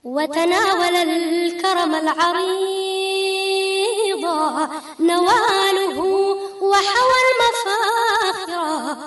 Waɛlɛlili fara bɔ naamubugu wa bɛ